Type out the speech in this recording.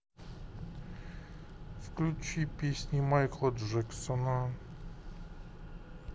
включи песни майкла джексона